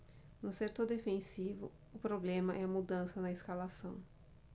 no setor defensivo o problema é a mudança na escalação